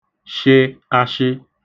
shị ashị